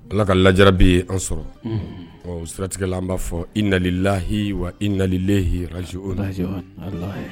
Ala ka lajara bɛ an sɔrɔ ɔ siratigɛ an b'a fɔ ililayi wa ililen h ara aliz o